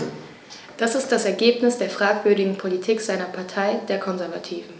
Das ist das Ergebnis der fragwürdigen Politik seiner Partei, der Konservativen.